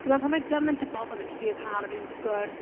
Dwi'n meddwl pan mae gymaint o bobl yn trio cael yr un sgwrs...